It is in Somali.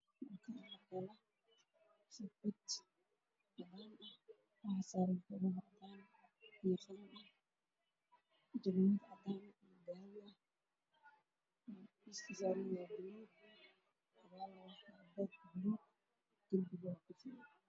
Waa saxan waxaa ku jira koobab caddaan waxaa miiska saaran tarmuus cadaan